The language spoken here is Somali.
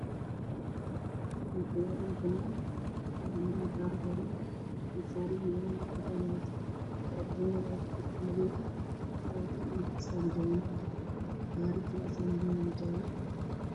Meshaan waa dhul banaan